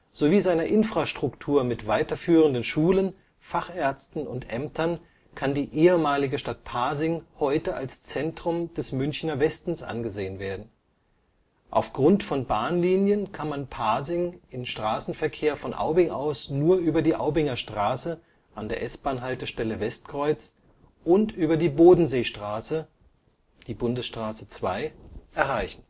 sowie seiner Infrastruktur mit weiterführenden Schulen, Fachärzten und Ämtern kann die ehemalige Stadt Pasing heute als Zentrum des Münchner Westens angesehen werden. Aufgrund von Bahnlinien kann man Pasing im Straßenverkehr von Aubing aus nur über die Aubinger Straße (an der S-Bahn-Haltestelle Westkreuz) und über die Bodenseestraße (Bundesstraße 2) erreichen